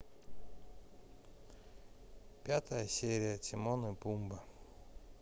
пятая серия тимон и пумба